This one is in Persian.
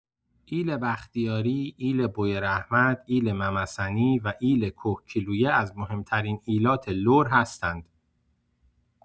ایل بختیاری، ایل بویراحمد، ایل ممسنی و ایل کوهگیلویه از مهم‌ترین ایلات لر هستند.